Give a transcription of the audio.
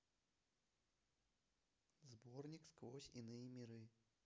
сборник сквозь иные миры